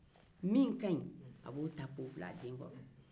min ka ɲi a b'o ta k'o bila a den kɔrɔ